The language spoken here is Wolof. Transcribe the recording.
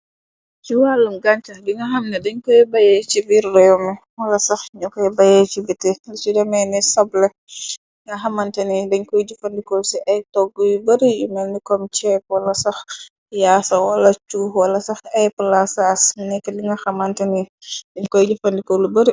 Ci wàllum gànca di nga xamna dañ koy baye ci biir réew mi, wala sax ñu koy baye ci biti. Li su demenii ni sub le nga xamanteni dañ koy jëfandikool ci ay togg yu bari, yu melnikom chép wala sax yaasa wala chuu, wala sax ay palasaas mi nekk linga xamanteni dañ koy jëfandikoo lu bari.